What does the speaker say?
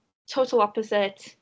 Total opposite.